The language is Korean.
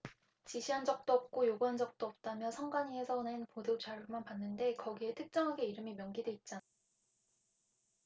지시한 적도 없고 요구한 적도 없다며 선관위에서 낸 보도자료만 봤는데 거기엔 특정하게 이름이 명기돼 있지 않다